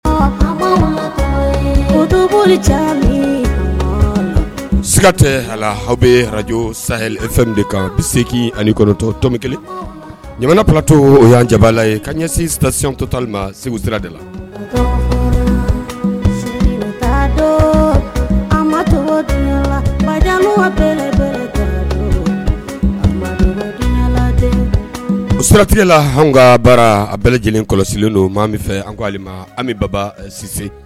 Tooli siga tɛ aw bɛ araj sa fɛn de kan bɛ segin ani kɔnɔntɔ tom kelen ɲa paratɔ o y'an jabala ye ka ɲɛsin tasitɔtali ma segu sira de la sutigɛ la hali ka baara a bɛɛ lajɛlen kɔlɔsi don maa min fɛ an ko an bɛ baba sise